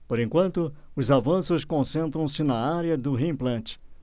por enquanto os avanços concentram-se na área do reimplante